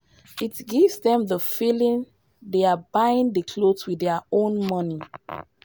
It gives them the feeling they are buying the clothes with their own money.